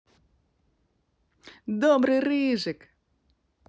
добрый рыжик